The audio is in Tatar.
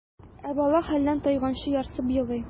Ә бала хәлдән тайганчы ярсып елый.